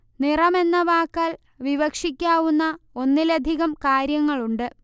നിറമെന്ന വാക്കാൽ വിവക്ഷിക്കാവുന്ന ഒന്നിലധികം കാര്യങ്ങളുണ്ട്